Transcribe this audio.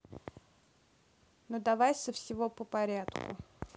ну давай со всего по порядку